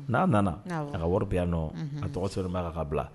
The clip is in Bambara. N'a nana a ka wari biya nɔ a tɔgɔ sɔrɔ b'a kan kaa bila